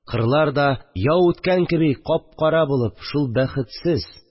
Кырлар да яу үткән кеби кап-кара булып, шул бәхетсез